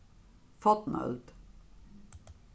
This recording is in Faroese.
fornøld